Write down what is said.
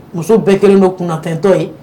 Muso bɛɛ kɛlen don kunnafɛntɔ ye